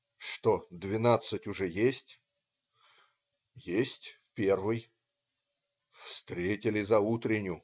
"Что, двенадцать уже есть?" - "Есть, первый". - "Встретили заутреню".